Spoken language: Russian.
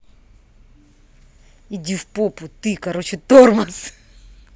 иди в попу ты короче тормоз